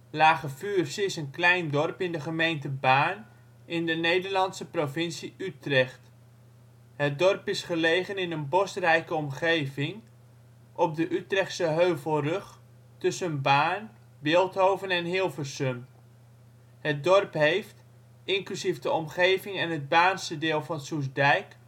Lage Vuursche is een klein dorp in de gemeente Baarn, in de Nederlandse provincie Utrecht. Het dorp is gelegen in een bosrijke omgeving op de Utrechtse Heuvelrug, tussen Baarn, Bilthoven en Hilversum. Het dorp heeft, inclusief de omgeving en het Baarnse deel van Soestdijk